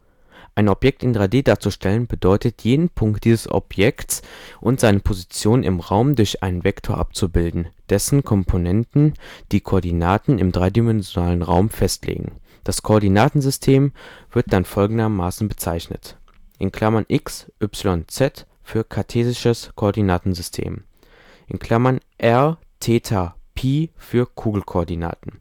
Ein Objekt in 3-D darzustellen bedeutet, jeden Punkt dieses Objekts und seine Position im Raum durch einen Vektor abzubilden, dessen Komponenten die Koordinaten im dreidimensionalen Raum festlegen. Das Koordinatensystem wird dann folgendermaßen bezeichnet: (x, y, z) – für Kartesisches Koordinatensystem (r, θ, φ) – für Kugelkoordinaten